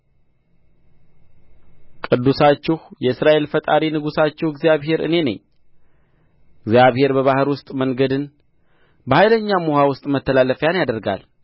ቅዱሳችሁ የእስራኤል ፈጣሪ ንጉሣችሁ እግዚአብሔር እኔ ነኝ እግዚአብሔር በባሕር ውስጥ መንገድን በኃይለኛም ውኃ ውስጥ መተላለፊያን ያደርጋል